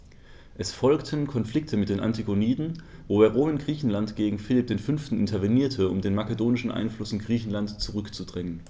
Es folgten Konflikte mit den Antigoniden, wobei Rom in Griechenland gegen Philipp V. intervenierte, um den makedonischen Einfluss in Griechenland zurückzudrängen.